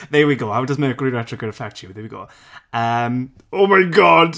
There we go. How does Mercury retrograde affect you? There we go yym Oh my God